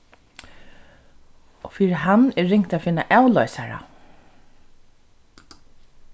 og fyri hann er ringt at finna avloysara